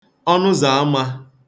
ọnụzàamā